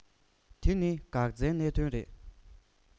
དེ ནི འགག རྩའི གནད དོན རེད